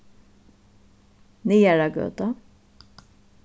niðaragøta